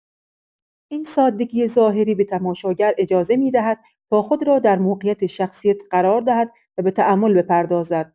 این سادگی ظاهری به تماشاگر اجازه می‌دهد تا خود را در موقعیت شخصیت قرار دهد و به تأمل بپردازد.